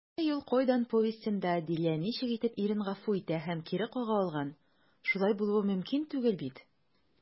«бәхеткә юл кайдан» повестенда дилә ничек итеп ирен гафу итә һәм кире кага алган, шулай булуы мөмкин түгел бит?»